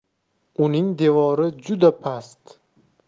uning devori juda past